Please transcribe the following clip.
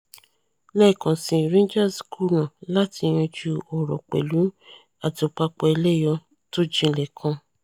Lẹ́ẹ̀kan sii Rangers kùná láti yanjú ọ̀rọ̀ pẹ̀lú àtòpapọ̀-ẹlẹ́yọ tójinlẹ̀ kan.